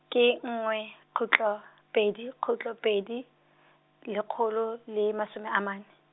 ke nngwe, khutlo, pedi, khutlo pedi, lekgolo, le masome amane.